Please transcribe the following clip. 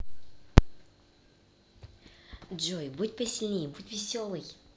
джой будь посильней будь веселой